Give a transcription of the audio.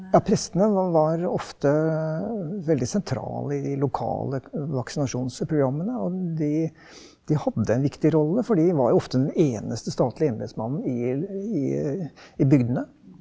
ja prestene var ofte veldig sentrale i de lokale vaksinasjonsprogrammene, og de de hadde en viktig rolle for de var jo ofte den eneste statlige embetsmannen i i i bygdene.